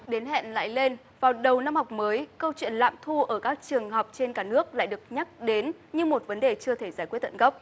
đến hẹn lại lên vào đầu năm học mới câu chuyện lạm thu ở các trường học trên cả nước lại được nhắc đến như một vấn đề chưa thể giải quyết tận gốc